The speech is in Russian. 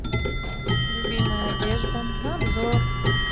любимая одежда обзор